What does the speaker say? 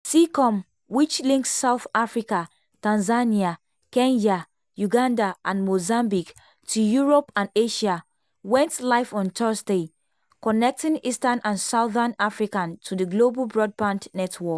Seacom, which links South Africa, Tanzania, Kenya, Uganda and Mozambique to Europe and Asia, went live on Thursday, connecting eastern and southern Africa to the global broadband network.